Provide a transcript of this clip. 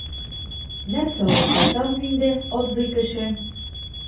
Нәрсә алып кайтабыз инде, абзый кеше?